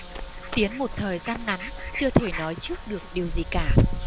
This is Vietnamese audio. tiến một thời gian ngắn chưa thể nói trước được điều gì cả